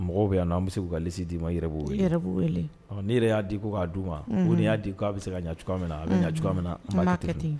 Mɔgɔw bɛ yan' an bɛ se k ka lisisi d'i ma yɛrɛ b' yɛrɛ b weele ni yɛrɛ y'a di ko k'a di u ma ko nin y'a di k ko a bɛ se ka ɲɛ cogoya min na a bɛ ɲɛ cogoya min na ten